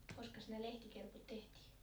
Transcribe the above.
koskas ne lehtikerput tehtiin